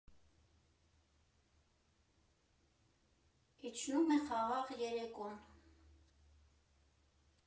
Իջնում է խաղաղ երեկոն։